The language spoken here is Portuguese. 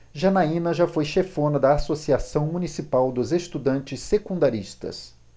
janaina foi chefona da ames associação municipal dos estudantes secundaristas